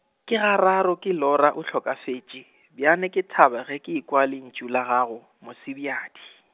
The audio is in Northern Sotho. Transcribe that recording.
ke gararo ke lora o hlokafetše, bjana ke thaba ge ke kwa lentšu la gago, Mosebjadi.